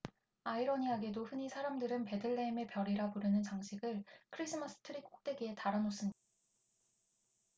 아이러니하게도 흔히 사람들은 베들레헴의 별이라 부르는 장식을 크리스마스트리 꼭대기에 달아 놓습니다